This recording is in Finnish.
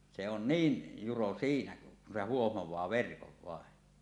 se on niin juro siinä kun se huomaa verkon vain